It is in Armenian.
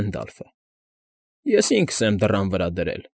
Հենդալֆը։ ֊ Ես ինքս եմ դռան վրա դրել։